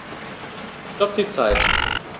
Stopp die Zeit